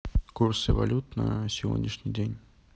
курсы валют на сегодняшний день